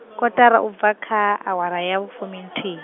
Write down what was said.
kaṱara u bva kha, awara ya vhufuminthihi.